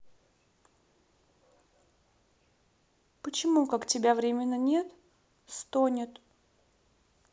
почему как тебя временно нет стонет